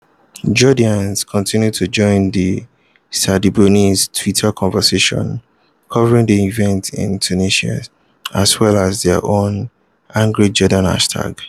Jordanians continue to join the #sidibouzid Twitter conversation (covering the events in Tunisia), as well as their own #angryjordan hashtag.